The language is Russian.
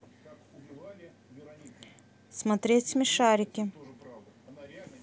смотреть смешарики